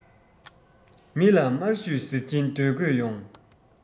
མི ལ མ ཤོད ཟེར གྱིན སྡོད དགོས ཡོང